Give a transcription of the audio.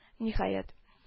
Ниһаять